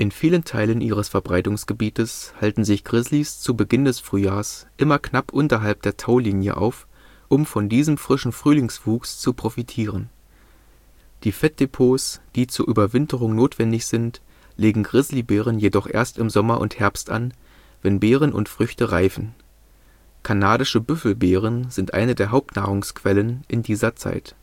vielen Teilen ihres Verbreitungsgebietes halten sich Grizzlys zu Beginn des Frühjahrs immer knapp unterhalb der Taulinie auf, um von diesem frischen Frühlingswuchs zu profitieren. Die Fettdepots, die zur Überwinterung notwendig sind, legen Grizzlybären jedoch erst im Sommer und Herbst an, wenn Beeren und Früchte reifen. Kanadische Büffelbeeren sind eine der Hauptnahrungsquellen in dieser Zeit